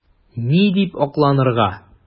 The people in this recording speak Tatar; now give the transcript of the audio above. Ни дип акланырга?